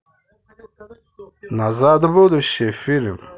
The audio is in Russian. назад в будущее фильм